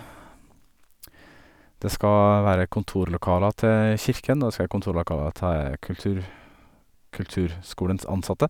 Det skal være kontorlokaler til kirken, og det skal være kontorlokaler til kultur kulturskolens ansatte.